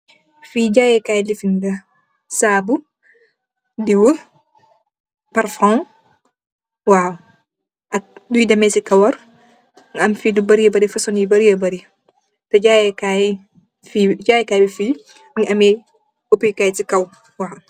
Fee Jaye Kay lefen la sabu, deew, parfu waw ak luye deme se kawarr ga am fee lu bary bary fosung yu bary bary teh jaye kaye bi fee muge ameh opekay se kaw waw.